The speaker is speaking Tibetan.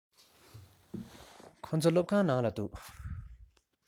ཁོ ཚོ སློབ ཁང ནང ལ འདུག